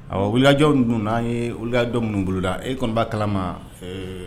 Ɔ wulilajaw dun' an ye oluya dɔ minnu bolo e kɔniba kalama